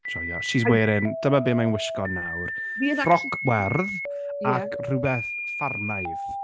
Joio. She's wearing... dyma be mae'n wisgo nawr, ffroc werdd... ia ...ac rhywbeth ffarmaidd.